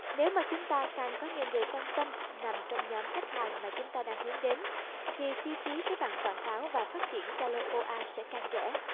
nếu mà chúng ta càng có nhiều người quan tâm nằm trong nhóm khách hàng mà chúng ta đang hướng đến thì chi phí các bạn quảng cáo và phát triển zalo oa sẽ càng rẻ